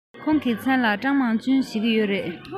ཁོང གི མཚན ལ ཀྲང མིང ཅུན ཞུ གི ཡོད རེད